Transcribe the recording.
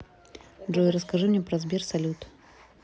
джой расскажи мне про сбер салют